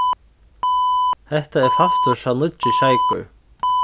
hetta er fastursa nýggi sjeikur